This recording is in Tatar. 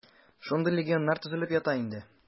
Шундый легионнар төзелеп ята инде.